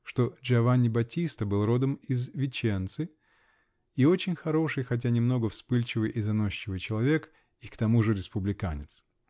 что Джиованни Баттиста был родом из Виченцы, и очень хороший, хотя немного вспыльчивый и заносчивый человек, и к тому республиканец!